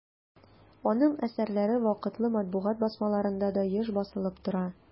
Аның әсәрләре вакытлы матбугат басмаларында да еш басылып тора.